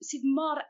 syd mor